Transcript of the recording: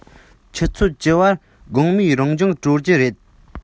ཆུ ཚོད བཅུ པར དགོང མོའི རང སྦྱོང གྲོལ གྱི རེད